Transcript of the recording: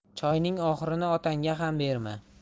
choyning oxirini otangga ham berma